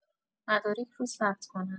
مدارک رو ثبت کنن